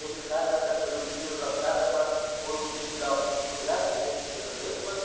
lekin har narsani biluvchi va har nimani ko'ruvchi ilohiy qudrat eshitsin debmi